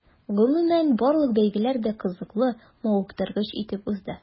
Гомумән, барлык бәйгеләр дә кызыклы, мавыктыргыч итеп узды.